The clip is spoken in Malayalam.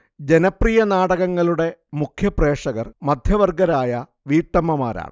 ജനപ്രിയ നാടകങ്ങളുടെ മുഖ്യ പ്രേക്ഷകർ മധ്യവർഗക്കാരായ വീട്ടമ്മമാരാണ്